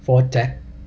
โฟธแจ็ค